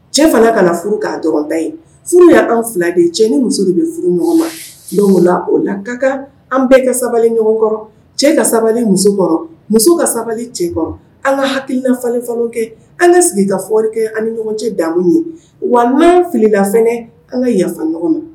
Cɛ fana ka furu ka dɔrɔnda ye furu yan fila de cɛ ni muso de bɛ furu ɲɔgɔn ma don la o la ka kan an bɛɛ ka sabali ɲɔgɔnkɔrɔ cɛ ka sabali musokɔrɔ muso ka sabali cɛkɔrɔ an ka hakilifafa kɛ an ka sigi ka fɔɔri kɛ an ɲɔgɔn cɛ damu ye wa n'an filila fana an ka yafa ɲɔgɔn ma